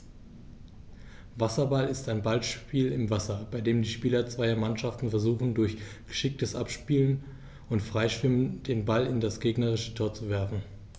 Wasserball ist ein Ballspiel im Wasser, bei dem die Spieler zweier Mannschaften versuchen, durch geschicktes Abspielen und Freischwimmen den Ball in das gegnerische Tor zu werfen.